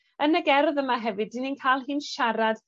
yn y gerdd yma hefyd 'dyn ni'n ca'l hi'n siarad